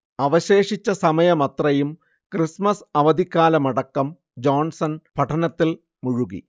അവശേഷിച്ച സമയമത്രയും ക്രിസ്മസ് അവധിക്കാലമടക്കം ജോൺസൺ പഠനത്തിൽ മുഴുകി